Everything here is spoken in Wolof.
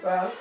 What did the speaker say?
waaw